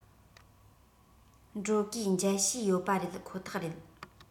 འགྲོ གུས མཇལ ཞུས ཡོད པ རེད ཁོ ཐག རེད